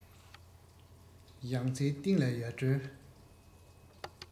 རྒྱུན འཁྱོངས ནི རྒྱལ ཁའི རྩ བ ཡིན